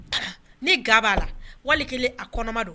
Ni ga'a la wali a kɔnɔma don